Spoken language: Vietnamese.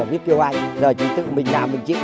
biết kêu ai giờ thì tự mình làm mình chịu